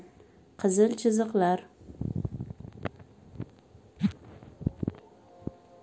qizil chiziqlar